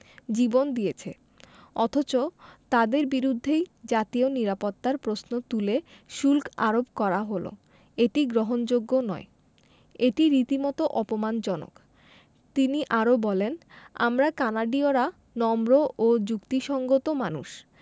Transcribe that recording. জীবন দিয়েছে অথচ তাঁদের বিরুদ্ধেই জাতীয় নিরাপত্তার প্রশ্ন তুলে শুল্ক আরোপ করা হলো এটি গ্রহণযোগ্য নয় এটি রীতিমতো অপমানজনক তিনি আরও বলেন আমরা কানাডীয়রা নম্র ও যুক্তিসংগত মানুষ